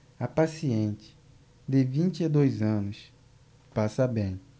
a paciente de vinte e dois anos passa bem